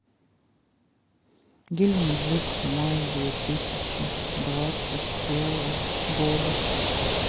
геленджик май две тысячи двадцать первого года